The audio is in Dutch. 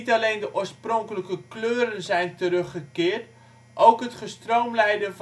alleen de oorspronkelijke kleuren zijn teruggekeerd, ook het gestroomlijnde